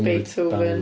Beethoven.